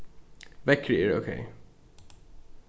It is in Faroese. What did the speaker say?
veðrið er ókey